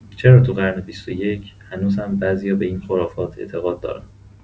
چرا تو قرن بیست و یک هنوزم بعضیا به این خرافات اعتقاد دارن؟